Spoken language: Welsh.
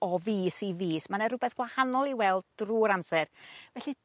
o fis i fis ma' 'ne rwbeth gwahanol i'w weld drw'r amser felly